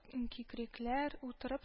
Кикрикләр утырып